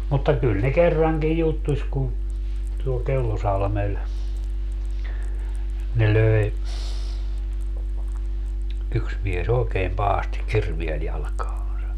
mutta kyllä ne kerrankin juttusi kun tuolla Kellosalmella ne löi yksi mies oikein pahasti kirveellä jalkaansa